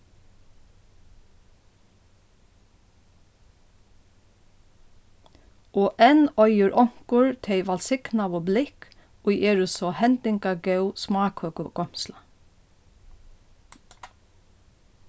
og enn eigur onkur tey vælsignaðu blikk ið eru so hendinga góð smákøkugoymsla